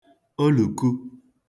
olùku